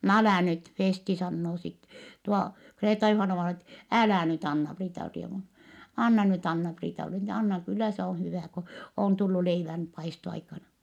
no älä nyt Festi sanoo sitten tuo Kreeta-Juhanna-vainaja että älä nyt Anna-Priita-rievun anna nyt Anna-Priitalle niin anna kyllä se on hyvä kun on tullut leivän paistoaikana